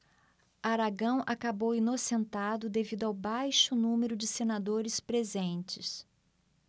aragão acabou inocentado devido ao baixo número de senadores presentes